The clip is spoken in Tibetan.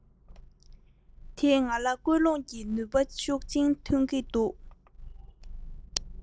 ངས བྱ བ དེ དུས ནམ ཡང བརྗེད ག ལ སྲིད